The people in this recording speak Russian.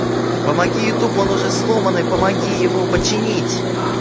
помоги youtube он уже сломоной помоги его починить